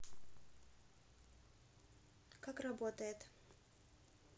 как работает